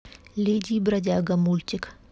леди и бродяга мультик